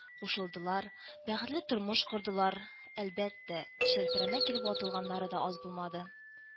Кушылдылар, бәхетле тормыш кордылар, әлбәттә, чәлпәрәмә килеп ватылганнары да аз булмады